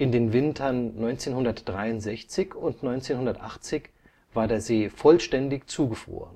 den Wintern 1963 und 1980 war der See vollständig zugefroren